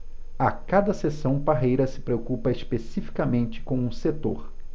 a cada sessão parreira se preocupa especificamente com um setor